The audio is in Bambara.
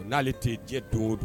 N'ale tɛ jɛ don o don